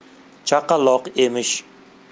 chaqaloq emish